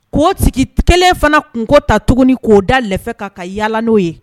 K'o sigi kelen fana kunko ta tuguni k'o dafɛ ka ka yaala n'o ye